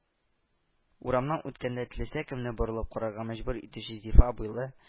Урамнан үткәндә теләсә кемне борылып карарга мәҗбүр итүче зифа буйлы